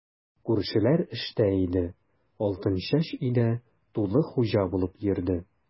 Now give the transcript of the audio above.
Күршеләр эштә иде, Алтынчәч өйдә тулы хуҗа булып йөрде.